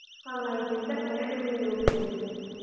Кыска гына әйткәндә, коллегамны йолып калдым.